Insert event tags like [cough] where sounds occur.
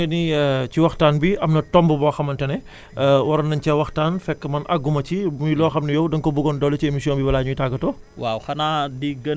[breath] ndax jàpp nga ni [hesitation] ci waxtaan bi am na tomb boo xamante ne [breath] [hesitation] waroon nañ cee waxtaan fekk man àggu ma ci muy loo xam ni yow da nga ko bëggoon na dolli ci émission bi balaa ñuy tàggatoo